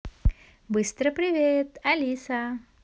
быстро привет алиса